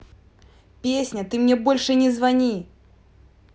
песня ты мне больше не звони